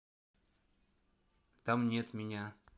там нет меня